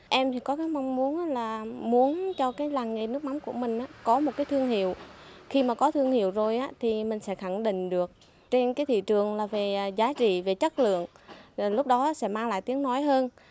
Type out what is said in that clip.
em thì có cái mong muốn là muốn cho cái làng nghề nước mắm của mình có một cái thương hiệu khi mà có thương hiệu rồi á thì mình sẽ khẳng định được trên cái thị trường là về giá trị về chất lượng lúc đó sẽ mang lại tiếng nói hơn